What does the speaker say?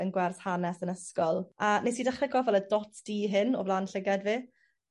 yn gwers hanes yn ysgol a nes i dechre gwel' fel y dot du hyn o flan llygad fi.